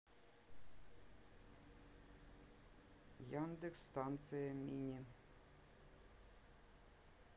яндекс станция мини